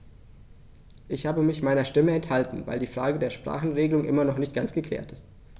Ich habe mich meiner Stimme enthalten, weil die Frage der Sprachenregelung immer noch nicht ganz geklärt ist.